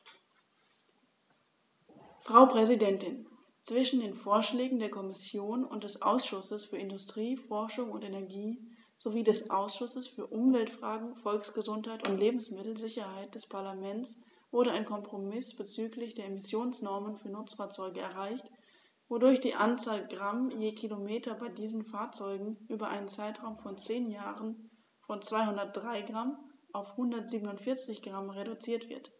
Frau Präsidentin, zwischen den Vorschlägen der Kommission und des Ausschusses für Industrie, Forschung und Energie sowie des Ausschusses für Umweltfragen, Volksgesundheit und Lebensmittelsicherheit des Parlaments wurde ein Kompromiss bezüglich der Emissionsnormen für Nutzfahrzeuge erreicht, wodurch die Anzahl Gramm je Kilometer bei diesen Fahrzeugen über einen Zeitraum von zehn Jahren von 203 g auf 147 g reduziert wird.